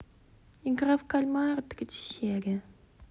игра в кальмара третья серия